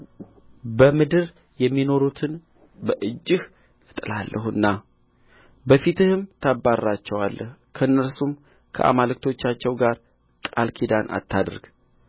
በምድር የሚኖሩትን በእጅህ እጥላለሁና ከፊትህም ታባርራቸዋለሁ ከእነርሱና ከአማልክቶቻቸው ጋር ቃል ኪዳን አታድርግ